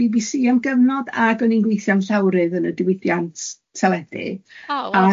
am gyfnod ac o'n i'n gweithio am llawrydd yn y diwydiant teledu.